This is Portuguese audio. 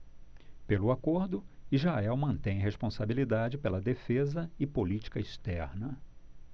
pelo acordo israel mantém responsabilidade pela defesa e política externa